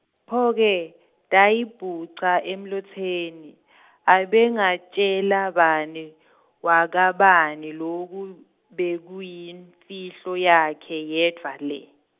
Pho-ke, tayimbuca emlotseni , abengatjela bani , wakabani loku bekuyimfihlo yakhe yedvwana le.